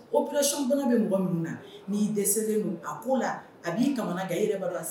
O psion fana bɛ mɔgɔ min na n'i'i dɛsɛsɛ a' la a b'i kamana ka i yɛrɛ bala